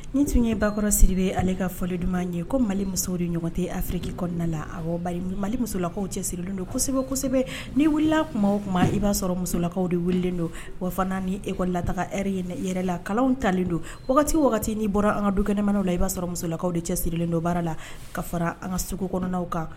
Nin tun ye bakkɔrɔsibe ale ka fɔ duman ye ko mali muso de ɲɔgɔn tɛ afriki kɔnɔna la a mali musolakaw cɛ sirilen don kosɛbɛsɛbɛ ni wili tuma tuma i b'a sɔrɔ musolakaw de welelen don wa fana ni ekola taga e ye yɛrɛ la ka talen don wagati waati ni bɔra an ka du kɛnɛ la i' sɔrɔ musokaw de cɛ sirilen don baara la ka fara an ka segu kɔnɔw kan